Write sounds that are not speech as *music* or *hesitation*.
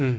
*hesitation* *hesitation*